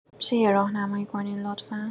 می‌شه یه راهنمایی کنین لطفا